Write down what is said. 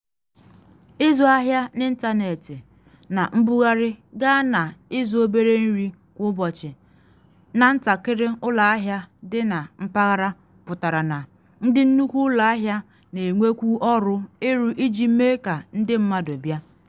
Ịzụ ahịa n’ịntanetị na mbugharị gaa na ịzụ obere nri kwa ụbọchị na ntakịrị ụlọ ahịa dị na mpaghara pụtara na ndị nnukwu ụlọ ahịa na enwekwu ọrụ ịrụ iji mee ka ndị mmadụ bịa.